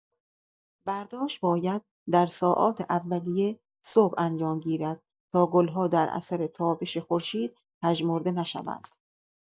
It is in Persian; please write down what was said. برداشت باید در ساعات اولیه صبح انجام گیرد تا گل‌ها در اثر تابش خورشید پژمرده نشوند.